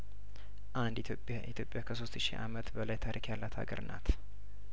አንድ ኢትዮጵያ ኢትዮጵያ ከሶስት ሺህ አመት በላይ ታሪክ ያላት ሀገርናት